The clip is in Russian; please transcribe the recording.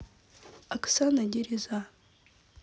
оксана дереза